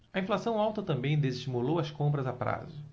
a inflação alta também desestimulou as compras a prazo